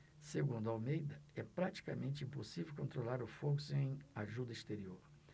segundo almeida é praticamente impossível controlar o fogo sem ajuda exterior